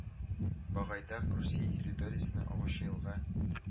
Багайдак Русия территориясеннән агучы елга